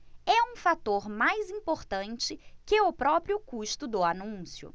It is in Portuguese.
é um fator mais importante que o próprio custo do anúncio